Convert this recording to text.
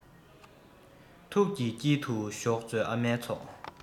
ཐུགས ཀྱི དཀྱིལ དུ ཞོག མཛོད ཨ མའི ཚོགས